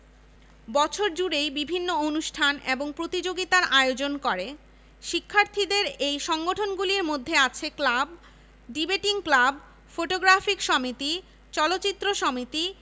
football volleyball এবং বাস্কেটবলে আন্তঃবিশ্ববিদ্যালয় প্রতিযোগিতার আয়োজন করে এই বিশ্ববিদ্যালয়ের আরও কয়েকটি নতুন বিভাগ খোলার পরিকল্পনা আছে